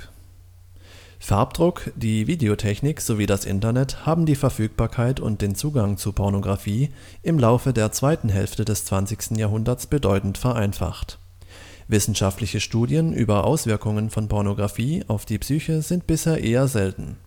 Farbdruck, die Videotechnik sowie das Internet haben die Verfügbarkeit und den Zugang zu Pornografie im Laufe der zweiten Hälfte des 20. Jahrhunderts bedeutend vereinfacht. Wissenschaftliche Studien über Auswirkungen von Pornografie auf die Psyche sind bisher eher selten